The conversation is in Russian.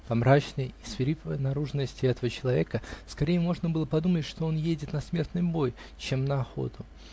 По мрачной и свирепой наружности этого человека скорее можно было подумать, что он едет на смертный бой, чем на охоту.